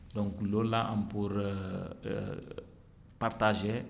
donc loolu laa am pour partager